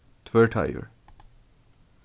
tvørteigur